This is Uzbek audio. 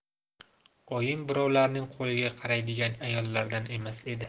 oyim birovlarning qo'liga qaraydigan ayollardan emas edi